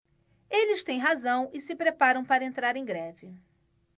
eles têm razão e se preparam para entrar em greve